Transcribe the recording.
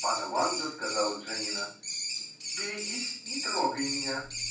Панна Ванда сказала Джаннино: -- Берегись, не трогай меня